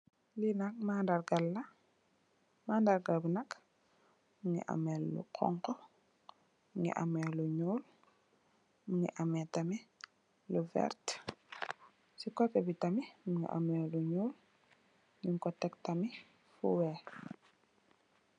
Li nak mandarga la, mandarga bi nak mungi ameh lu honku, mungi ameh lu ñuul, mungi ameh tamit lu vert. Ci kotè bi tamit mungi ameh lu ñuul nung ko tek tamit fu weeh.